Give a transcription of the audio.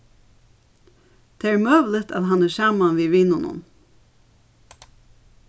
tað er møguligt at hann er saman við vinunum